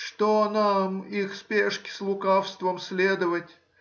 Что нам их спешке с лукавством следовать?